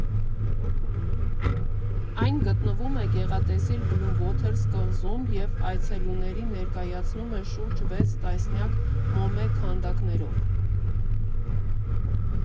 Այն գտնվում է գեղատեսիլ Բլուվոթերս կղզում և այցելուներին ներկայանում է շուրջ վեց տասնյակ մոմե քանդակներով։